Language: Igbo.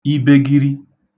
ibegiri